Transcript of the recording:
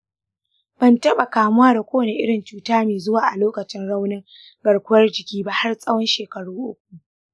ban taba kamuwa da kowace irin cuta mai zuwa a lokacin raunin garkuwar jiki ba har tsawon shekaru uku.